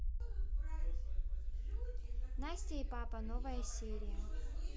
настя и папа новая серия